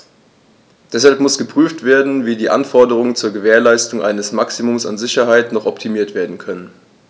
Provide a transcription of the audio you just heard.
Deshalb muss geprüft werden, wie die Anforderungen zur Gewährleistung eines Maximums an Sicherheit noch optimiert werden können.